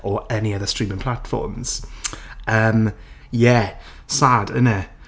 Or any other streaming platforms. Yym. Ie. Sad. Innit?